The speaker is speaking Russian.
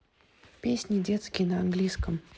песни детские на английском